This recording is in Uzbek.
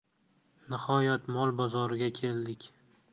nihoyat mol bozoriga keldik